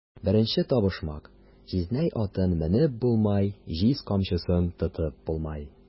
Беренче табышмак: "Җизнәй атын менеп булмай, җиз камчысын тотып булмай!"